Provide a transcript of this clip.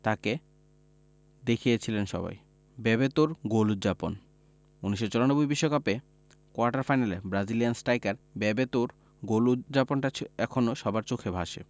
তাঁকে দেখিয়েছিলেন সবাই বেবেতোর গোল উদ্যাপন ১৯৯৪ বিশ্বকাপে কোয়ার্টার ফাইনালে ব্রাজিলিয়ান স্ট্রাইকার বেবেতোর গোল উদ্যাপনটা এখনো সবার চোখে ভাসে